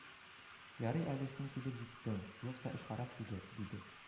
Ярый әле син килеп җиттең, юкса эш харап иде, диде